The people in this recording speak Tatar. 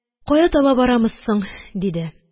Кая таба барамыз соң? – диде.